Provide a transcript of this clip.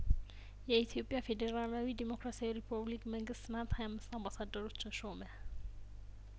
የኢትዮጵያ ፌዴራላዊ ዴሞክራሲያዊ ሪፐብሊክ መንግስት ትናንት ሀያአምስት አምባሳደሮችን ሾመ